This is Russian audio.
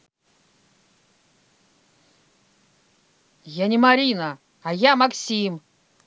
я не марина а я максим